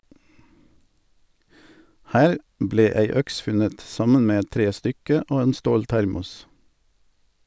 Her ble ei øks funnet, sammen med et trestykke og en ståltermos.